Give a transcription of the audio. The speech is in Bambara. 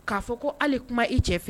K'a fɔ ko ale kuma e cɛ fɛ